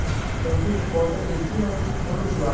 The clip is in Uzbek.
zokirov botir erkinovich qurilish vaziri